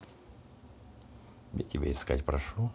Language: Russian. где тебя искать прошу